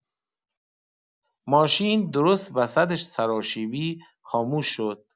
ماشین درست وسط سراشیبی خاموش شد.